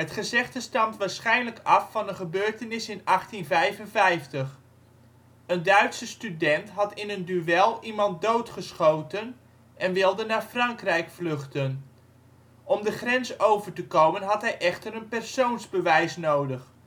gezegde stamt waarschijnlijk af van een gebeurtenis in 1855. Een Duitse student had in een duel iemand doodgeschoten en wilde naar Frankrijk vluchten. Om de grens over te komen had hij echter een persoonsbewijs nodig